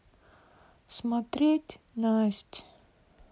смотреть насть